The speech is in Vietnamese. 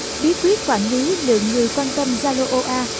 bí quyết quản lý lượng người quan tâm zalo oa